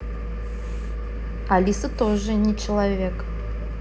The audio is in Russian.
алиса тоже не человек